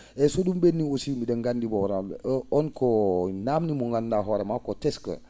eeyi so ?um ?ennii aussi bi?en nganndi bon on ko naamndal ngal nganndu?aa hoore maa ko teskaa